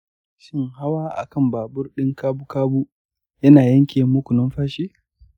shin hawa akan babur ɗin kabu-kabu ya na yanke muku numfashi?